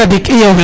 taxar tadik iyo